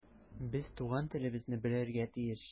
Без туган телебезне белергә тиеш.